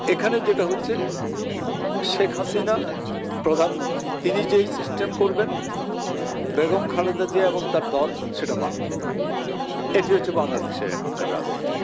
এখানে যেটা হচ্ছে শেখ হাসিনা প্রধানমন্ত্রী তিনি যেই সিস্টেম করবেন বেগম খালেদা জিয়া এবং দল সেটা মানবে না এটা হচ্ছে বাংলাদেশের এখনকার রাজনীতি